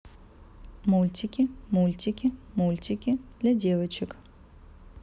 мультики мультики мультики для девочек